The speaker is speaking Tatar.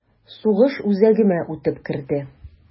Сугыш үзәгемә үтеп керде...